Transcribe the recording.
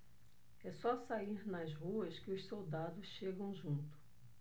é só sair nas ruas que os soldados chegam junto